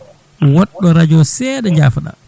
woɗɗo radio o seeɗa jaafoɗa